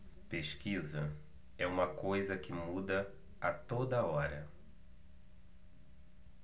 pesquisa é uma coisa que muda a toda hora